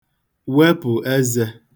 wepụ̀ ezē